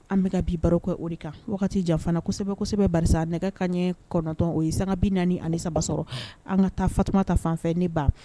An bɛka ka bi baro kɛ o kan wagati jan fanasɛbɛsɛbɛ nɛgɛ ka ɲɛ kɔnɔntɔn o ye san bin naani anisabasɔrɔ an ka taa fatuma ta fanfɛ ne ban